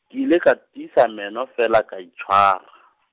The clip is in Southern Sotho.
ke ile ka tiisa meno feela ka itshwara .